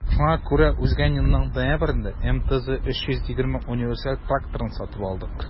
Шуңа күрә узган елның ноябрендә МТЗ 320 универсаль тракторын сатып алдык.